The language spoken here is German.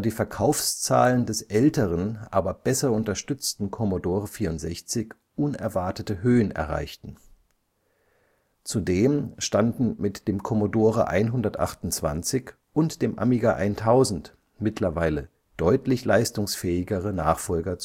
Verkaufszahlen des älteren, aber besser unterstützten Commodore 64 unerwartete Höhen erreichten. Zudem standen mit dem Commodore 128 und dem Amiga 1000 mittlerweile deutlich leistungsfähigere Nachfolger